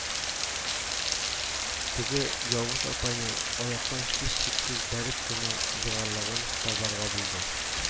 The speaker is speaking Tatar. Теге явыз апайны аяктан һичшиксез бәреп кенә егарлыгын табарга булды